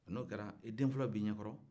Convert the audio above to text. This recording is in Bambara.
n'o kɛra i den fɔlɔ b' i ɲɛ kɔrɔ